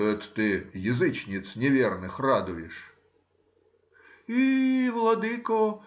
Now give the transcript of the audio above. — Это ты язычниц неверных радуешь? — И-и, владыко!